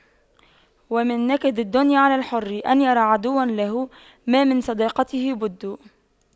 ومن نكد الدنيا على الحر أن يرى عدوا له ما من صداقته بد